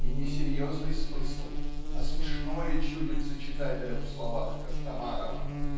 И не серьезный смысл, а смешное чудится читателям в словах Костомарова